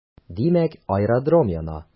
Димәк, аэродром яна.